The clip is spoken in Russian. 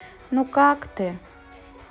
ну как ты